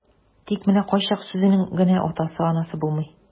Тик менә кайчак сүзенең генә атасы-анасы булмый.